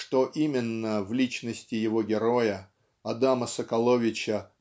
что именно в личности его героя Адама Соколовича